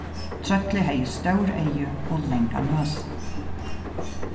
trøllið hevði stór eygu og langa nøs